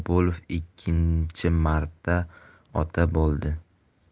kabulov ikkinchi marta ota bo'ldi